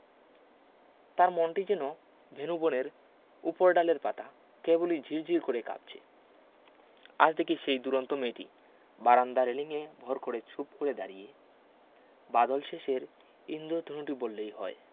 তার মনটি যেন ভেনূবনের উপরডালের পাতা কেবলি ঝির ঝির করে কাঁপছে আজ দেখি সেই দূরন্ত মেয়েটি বারান্দা রেলিঙে ভরকরে চুপ করে দাঁড়িয়ে বাদলশেষের ঈন্দধনুটি বললেই হয়